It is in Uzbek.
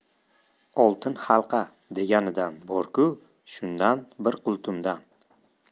oltin halqa deganidan bor ku shundan bir qultumdan